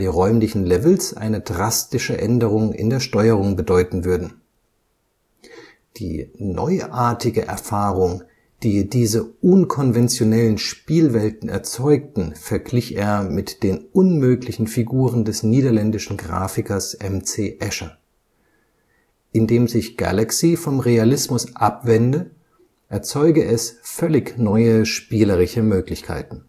räumlichen Levels eine drastische Änderung in der Steuerung bedeuten würden. Die neuartige Erfahrung, die diese unkonventionellen Spielwelten erzeugten, verglich Meintema mit den unmöglichen Figuren des niederländischen Grafikers M. C. Escher. Indem sich Galaxy vom Realismus abwende, erzeuge es völlig neue spielerische Möglichkeiten